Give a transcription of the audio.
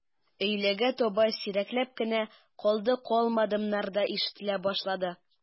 Өйләгә таба сирәкләп кенә «калды», «калдым»нар да ишетелә башлады.